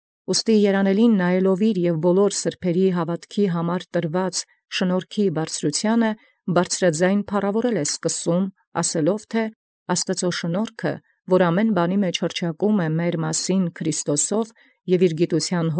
Վասն որոյ երանելոյն հայեցեալ ի շնորհացն բարձրութիւն առ իւրոյ մեծ աւրինացն և առ ամենայն սրբոցն, բարձրագոյն բարբառով ի փառատրութիւն դառնայ, եթե «Շնորհք Աստուծոյ, որ յամենայնի հռչակ հարկանէ զմէնջ ի Քրիստոս և զհոտ գիտութեան։